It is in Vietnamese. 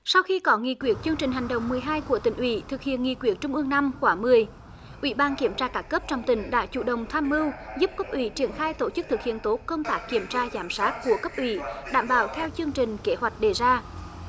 sau khi có nghị quyết chương trình hành động mười hai của tỉnh ủy thực hiện nghị quyết trung ương năm khóa mười ủy ban kiểm tra các cấp trong tỉnh đã chủ động tham mưu giúp cấp ủy triển khai tổ chức thực hiện tốt công tác kiểm tra giám sát của cấp ủy đảm bảo theo chương trình kế hoạch đề ra